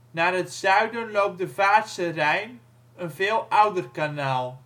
naar het zuiden loopt de Vaartse Rijn, een veel ouder kanaal